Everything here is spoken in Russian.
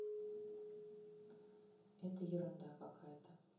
это ерунда какая то